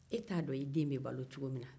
e t'a dɔn e muso bɛ balo cogomi